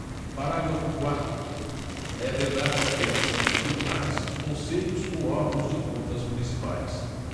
parágrafo quarto é vedada a criação de tribunais conselhos ou órgãos de contas municipais